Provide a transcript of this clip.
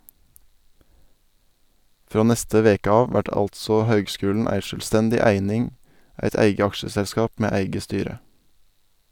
Frå neste veke av vert altså høgskulen ei sjølvstendig eining, eit eige aksjeselskap med eige styre.